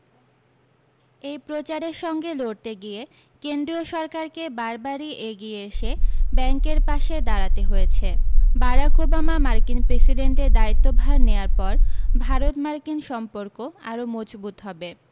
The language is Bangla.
এই প্রচারের সঙ্গে লড়তে গিয়ে কেন্দ্রীয় সরকারকে বারবারি এগিয়ে এসে ব্যাঙ্কের পাশে দাঁড়াতে হয়েছে বারাক ওবামা মার্কিন প্রেসিডেন্টের দায়িত্ব ভার নেওয়ার পর ভারত মার্কিন সম্পর্ক আরও মজবুত হবে